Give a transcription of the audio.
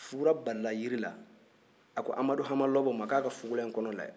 fugula barila jiri la a ko amadu hama lɔbɔ ma ko a ka fugula in kɔnɔ lajɛ